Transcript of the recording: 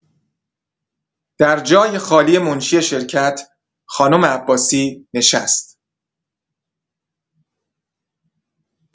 در جای خالی منشی شرکت، خانم عباسی، نشست.